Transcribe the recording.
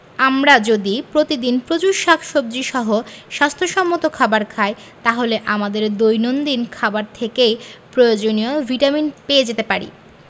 আমরা যদি প্রতিদিন প্রচুর শাকসবজী সহ স্বাস্থ্য সম্মত খাবার খাই তাহলে আমাদের দৈনন্দিন খাবার থেকেই প্রয়োজনীয় ভিটামিন পেয়ে যেতে পারি